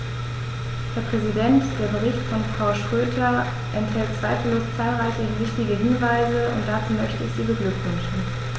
Herr Präsident, der Bericht von Frau Schroedter enthält zweifellos zahlreiche wichtige Hinweise, und dazu möchte ich sie beglückwünschen.